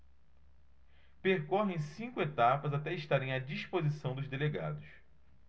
percorrem cinco etapas até estarem à disposição dos delegados